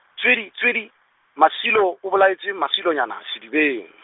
tswidi, tswidi, Masilo, o bolaetse Masilonyane sedibeng.